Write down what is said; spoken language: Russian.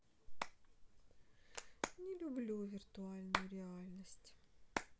не люблю виртуальность реальность